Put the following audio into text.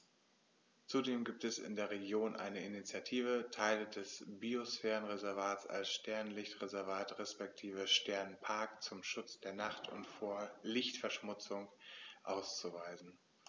Zudem gibt es in der Region eine Initiative, Teile des Biosphärenreservats als Sternenlicht-Reservat respektive Sternenpark zum Schutz der Nacht und vor Lichtverschmutzung auszuweisen.